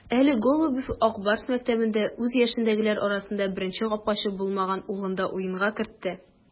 Әле Голубев "Ак Барс" мәктәбендә үз яшендәгеләр арасында беренче капкачы булмаган улын да уенга кертте.